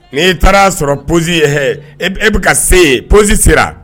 N'i taara sɔrɔ pɔosi ye e bɛ ka se yen posi sera